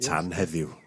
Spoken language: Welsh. Tan heddiw.